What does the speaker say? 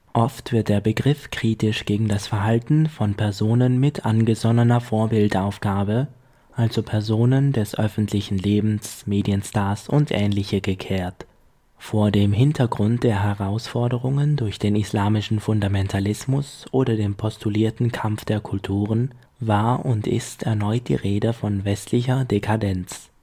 Oft wird der Begriff kritisch gegen das Verhalten von Personen mit angesonnener Vorbildaufgabe, also Personen des öffentlichen Lebens, Medienstars u. ä. gekehrt. Vor dem Hintergrund der Herausforderungen durch den islamischen Fundamentalismus oder dem postulierten Kampf der Kulturen war und ist erneut die Rede von (westlicher) Dekadenz